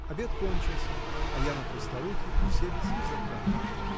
Обед кончился; Аянов и старухи уселись за карты.